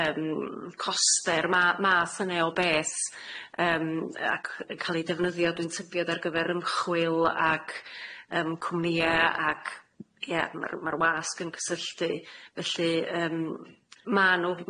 yym coste'r ma' math yne o beth yym ac yy ca'l i defnyddio dwi'n tybiod ar gyfer ymchwil ag yym cwmnïe ac ie ma'r ma'r wasg yn cysylltu felly yym ma' n'w,